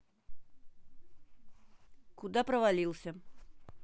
куда провалился